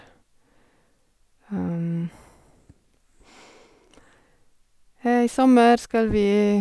I sommer skal vi...